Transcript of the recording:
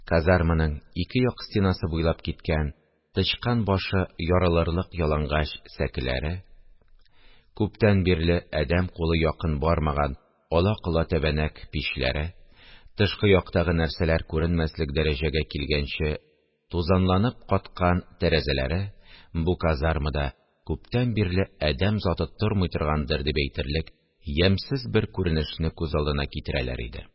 Казарманың ике як стенасы буйлап киткән, тычкан башы ярылырлык ялангач сәкеләре, күптән бирле адәм кулы якын бармаган ала-кола тәбәнәк пичләре, тышкы яктагы нәрсәләр күренмәслек дәрәҗәгә килгәнче тузанланып каткан тәрәзәләре «бу казармада күптән бирле адәм заты тормый торгандыр» дип әйтерлек ямьсез бер күренешне күз алдына китерәләр иде